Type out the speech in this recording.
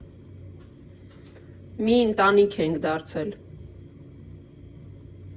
Մի ընտանիք ենք դարձել։